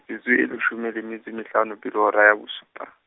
metso e leshome le metso e mehlano pele ho hora ya bosupa.